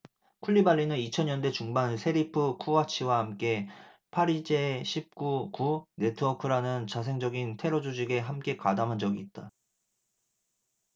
쿨리발리는 이천 년대 중반 세리프 쿠아치와 함께 파리제 십 구 구네트워크라는 자생적인 테러조직에 함께 가담한 적이 있다